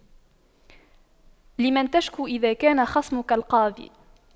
لمن تشكو إذا كان خصمك القاضي